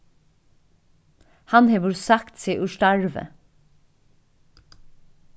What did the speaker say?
hann hevur sagt seg úr starvi